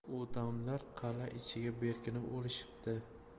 odamlar qala ichiga berkinib olishibdi